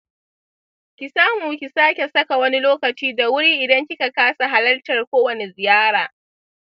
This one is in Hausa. ki samu ki sake saka wani lokaci da wuri idan kika kasa halartar ko wani ziyara.